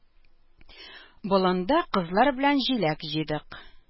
Болында кызлар белән җиләк җыйдык.